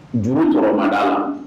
Juru kɔrɔmada la